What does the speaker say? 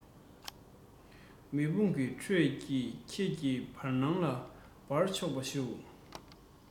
མེ དཔུང གི དྲོད ཀྱིས ཁྱེད ཀྱི བར སྣང ལ སྦར ཆོག པར ཞུ